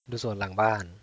ดูสวนหลังบ้าน